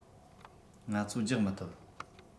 ང ཚོ རྒྱག མི ཐུབ